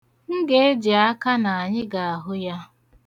M ga-eji aka na anyị ga-ahụ ya.